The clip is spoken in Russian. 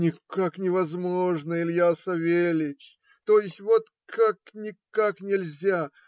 - Никак невозможно, Илья Савельич, то есть - вот как, никак нельзя!